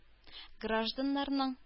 Гражданнарның